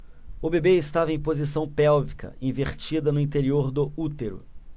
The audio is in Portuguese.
o bebê estava em posição pélvica invertida no interior do útero